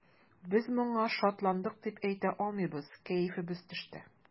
Без моңа шатландык дип әйтә алмыйбыз, кәефебез төште.